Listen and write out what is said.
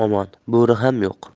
omon bo'ri ham yo'q